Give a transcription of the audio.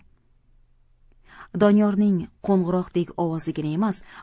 doniyorning qo'ng'iroqdek ovozigina emas